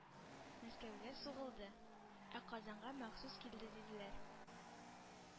Мәскәүгә сугылды, ә Казанга махсус килде диделәр.